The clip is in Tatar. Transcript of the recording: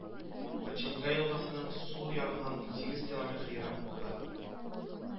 Коченьга елгасының сул ярыннан унсигез километр ераклыкта